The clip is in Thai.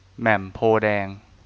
แหม่มโพธิ์แดง